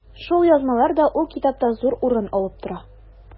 Шул язмалар да ул китапта зур урын алып тора.